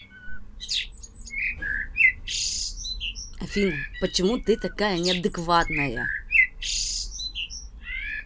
афина почему ты такая неадекватная